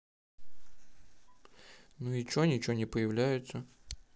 ну и че ничего не появляется